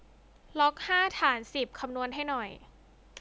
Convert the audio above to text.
ล็อกห้าฐานสิบคำนวณให้หน่อย